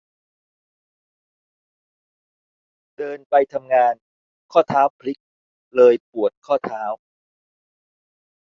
เดินไปทำงานข้อเท้าพลิกเลยปวดข้อเท้า